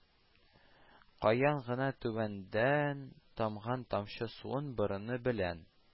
Каян гына, түбәдән тамган тамчы суын борыны белән